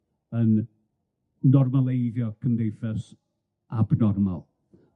yn normaleiddio cymdeithas abnormal.